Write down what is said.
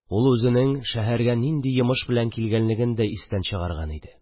Ул үзенең шәһәргә нинди йомыш: белән килгәнлеген дә истән чыгарды.